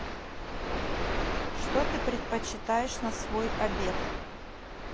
что ты предпочитаешь на свой обед